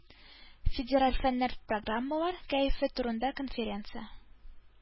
Федераль фэннэр программалар кәефе турында конференция.